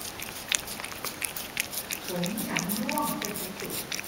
ผมฉันร่วงเป็นกระจุก